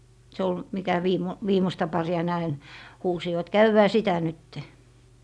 se oli mikä - viimeistä paria ne aina huusivat käydään sitä nyt